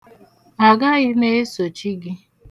Agaghị m esochi gị.